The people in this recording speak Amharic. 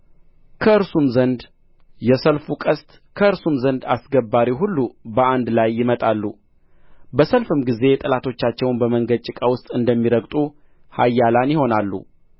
ከእርሱም ዘንድ የሰልፉ ቀስት ከእርሱም ዘንድ አስገባሪው ሁሉ በአንድ ላይ ይመጣሉ በሰልፍም ጊዜ ጠላቶቻቸውን በመንገድ ጭቃ ውስጥ እንደሚረግጡ ኃያላን ይሆናሉ